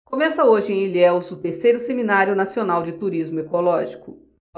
começa hoje em ilhéus o terceiro seminário nacional de turismo ecológico